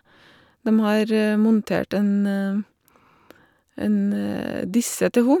Dem har montert en en disse til ho.